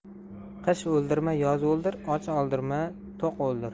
qish o'ldirma yoz o'ldir och o'ldirma to'q o'ldir